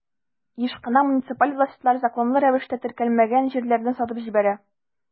Еш кына муниципаль властьлар законлы рәвештә теркәлмәгән җирләрне сатып җибәрә.